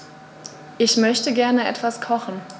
Ich möchte gerne etwas kochen.